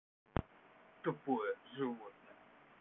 тупое животное